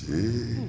Un